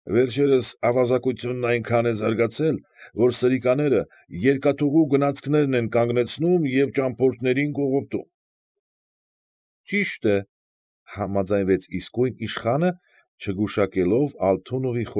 Վերջերս ավազակությունն այնքան է զարգացել, որ սրիկաները երկաթուղու գնացքներն են կանգնացնում և ճամփորդներին կողոպտում։ ֊ Ճիշտ է,֊ համաձայնվեց իսկույն իշխանը, չգուշակելով Ալթունովի։